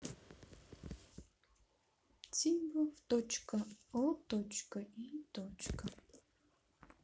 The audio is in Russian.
cibo в точка о точка l точка